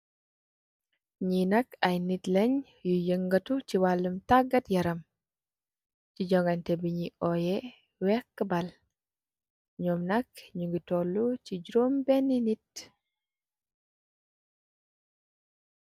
Ñi nak ay nit lèèn, ñuy yengatu si walli tagat yaram, ci jongateh bi ñuy oweh wexa bal. Njom nak ñi ngi tollú ci jurom benni nit.